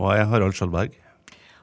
og jeg er Harald Schjølberg.